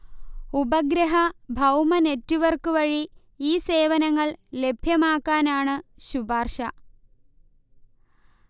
ഉപഗ്രഹ ഭൗമ നെറ്റ്വർക്ക് വഴി ഈ സേവനങ്ങൾ ലഭ്യമാക്കാനാണു ശുപാർശ